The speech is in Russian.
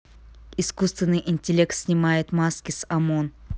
искусственный интеллект снимает маски с омон